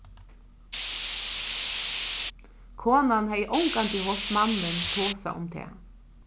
konan hevði ongantíð hoyrt mannin tosa um tað